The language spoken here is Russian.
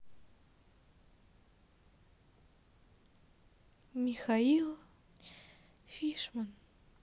михаил фишман